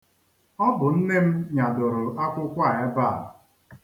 Ọ bụ nne m nyadoro akwụkwọ a ebe a.